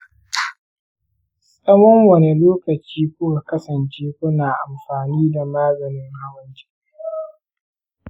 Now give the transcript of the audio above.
tsawon wane lokaci kuka kasance kuna amfani da maganin hawan jini?